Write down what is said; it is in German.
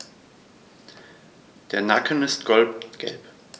Der Nacken ist goldgelb.